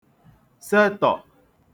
setọ̀